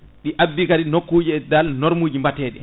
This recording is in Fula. ɗi abbi kadi nokkuji dal normuji batteɗi